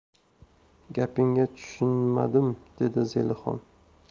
gapingga tushunmadim dedi zelixon